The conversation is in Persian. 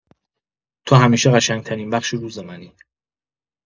تو همیشه قشنگ‌ترین بخش روز منی